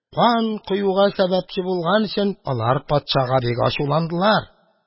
Кан коюга сәбәпче булган өчен, алар патшага бик ачуландылар.